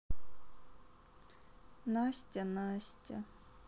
настя настя